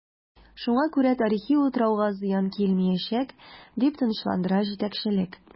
Шуңа күрә тарихи утрауга зыян килмиячәк, дип тынычландыра җитәкчелек.